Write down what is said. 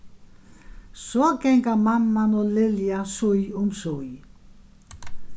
so ganga mamman og lilja síð um síð